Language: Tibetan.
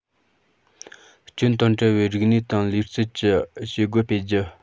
སྐྱོན དང བྲལ བའི རིག གནས དང ལུས རྩལ གྱི བྱེད སྒོ སྤེལ རྒྱུ